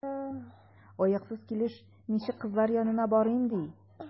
Аяксыз килеш ничек кызлар янына барыйм, ди?